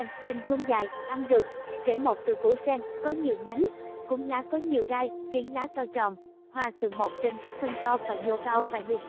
thân sen ngầm dạng củ sen hình thuôn dài ăn được rễ mọc từ củ sen có nhiều nhánh cuống lá có nhiều gai phiến lá to tròn hoa thường mọc trên các thân to và nhô cao vài